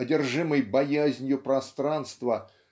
одержимый "боязнью пространства"